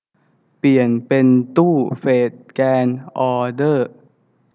เปลี่ยนเป็นตู้เฟทแกรนด์ออเดอร์